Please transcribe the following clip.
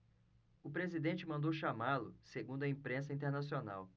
o presidente mandou chamá-lo segundo a imprensa internacional